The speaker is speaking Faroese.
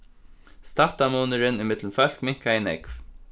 stættamunurin ímillum fólk minkaði nógv